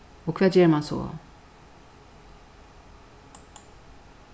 og hvat ger mann so